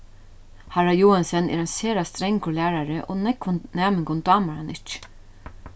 harra joensen er ein sera strangur lærari og nógvum næmingum dámar hann ikki